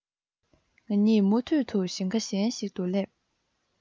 ངེད གཉིས མུ མཐུད དུ ཞིང ཁ གཞན ཞིག ཏུ སླེབས